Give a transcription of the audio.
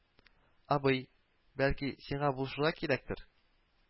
Абый, бәлки, сиңа булышырга кирәктер